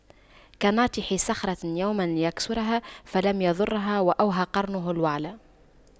كناطح صخرة يوما ليكسرها فلم يضرها وأوهى قرنه الوعل